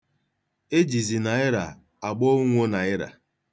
E jizi naịra agba onwo naịra.